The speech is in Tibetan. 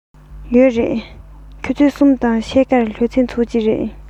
ཡོད རེད ཆུ ཚོད གསུམ དང ཕྱེད ཀར སློབ ཚན ཚུགས ཀྱི རེད